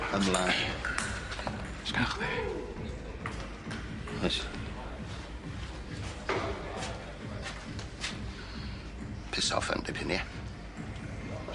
Ymlan. Sgynnoch chdi? Oes. Piss off am dipyn ia?